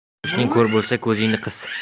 qo'shning ko'r bo'lsa ko'zingni qis